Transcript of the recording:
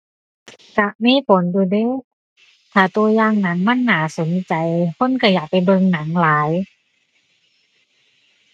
ก็มีผลอยู่เดะ ถ้าก็อย่างหนังมันน่าสนใจ คนก็อยากไปเบิ่งหนังหลาย